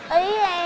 ý